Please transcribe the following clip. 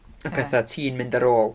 Y petha ti'n mynd ar ôl.